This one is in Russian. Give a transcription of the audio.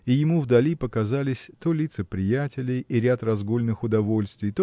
и ему вдали показались то лица приятелей и ряд разгульных удовольствий